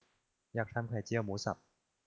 อยากทำไข่เจียวหมูสับ